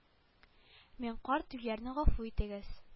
Мин карт юләрне гафу итегез